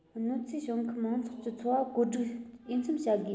གནོད འཚེ བྱུང ཁུལ མང ཚོགས ཀྱི འཚོ བ བཀོད སྒྲིག འོས འཚམ བྱ དགོས